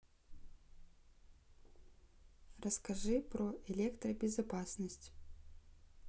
расскажи про электробезопасность